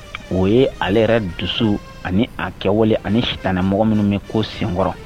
O ye ale yɛrɛ dusu ani a kɛwale ani sitanɛnɛ mɔgɔ minnu min ko senkɔrɔ